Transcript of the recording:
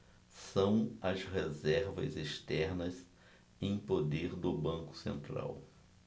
são as reservas externas em poder do banco central